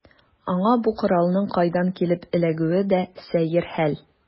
Аңа бу коралның кайдан килеп эләгүе дә сәер хәл.